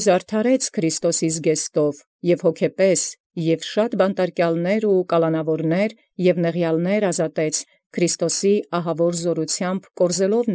Եւ զամենայն ոգի քրիստոսազգեստ և հոգեղէն վառեաց, և բազում բանդականաց և կալանաւորաց և տագնապելոց ի բռնաւորաց թողութիւն արարեալ՝ կորզելով զնոսա ահաւոր զաւրութեամբն Քրիստոսի։